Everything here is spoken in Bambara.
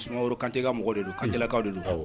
Sumaworo kante ka mɔgɔ de don. Kantelakaw de don.